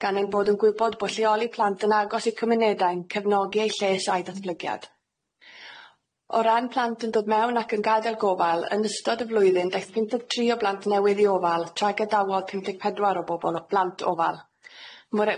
gan ein bod yn gwybod bo' lleoli plant yn agos i cymunedau'n cefnogi eu lles a'u datblygiad. O ran plant yn dod mewn ac yn gadael gofal yn ystod y flwyddyn daeth pum deg tri o blant newydd i ofal tra'i gadawodd pum deg pedwar o bobol o blant ofal.